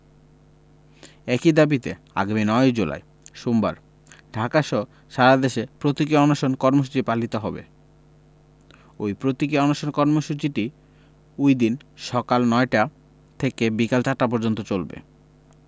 একই দাবিতে আগামী ৯ জুলাই সোমবার ঢাকাসহ সারাদেশে প্রতীকী অনশন কর্মসূচি পালিত হবে ওই প্রতীকী অনশন কর্মসূচিটি ওইদিন সকাল ৯টা থেকে বিকেল ৪টা পর্যন্ত চলবে